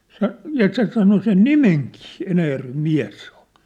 se ja se sanoi sen nimenkin Enäjärven mies se oli